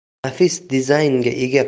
nafis dizaynga ega